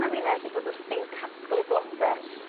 ...a finne 'di bod wrthi'n casglu blode